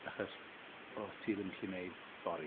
Achos, o't ti ddim gallu wneud fory.